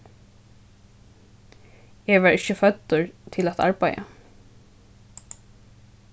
eg varð ikki føddur til at arbeiða